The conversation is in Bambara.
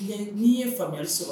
N'i ye faama sɔrɔ